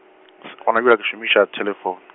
gona bjale ke šomiša telephone.